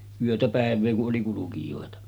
yötä päivää kun oli kulkijoita